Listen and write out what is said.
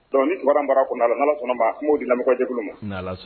Ni wara mara kɔnɔna ala sɔnna' k'o di lajɛ ma